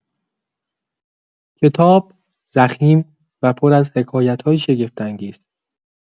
کتاب ضخیم و پر از حکایت‌های شگفت‌انگیز